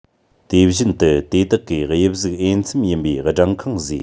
དེ བཞིན དུ དེ དག གིས དབྱིབས གཟུགས འོས འཚམ ཡིན པའི སྦྲང ཁང བཟོས